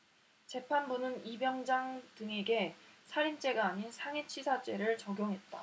재판부는 이 병장 등에게 살인죄가 아닌 상해치사죄를 적용했다